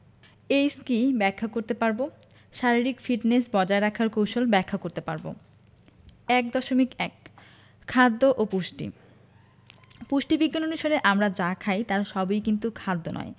এইস কী ব্যাখ্যা করতে পারব শারীরিক ফিটনেস বজায় রাখার কৌশল ব্যাখ্যা করতে পারব ১.১ খাদ্য ও পুষ্টি পুষ্টিবিজ্ঞান অনুসারে আমরা যা খাই তার সবই কিন্তু খাদ্য নয়